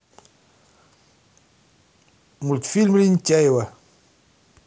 мультфильм лентяево